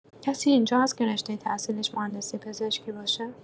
کسی اینجا هست که رشته تحصیلیش مهندسی پزشکی باشه؟